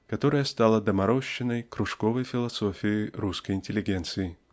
которая стала доморощенной кружковой философией русской интеллигенции.